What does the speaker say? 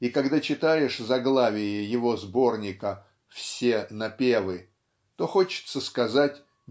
и когда читаешь заглавие его сборника "Все напевы", то хочется сказать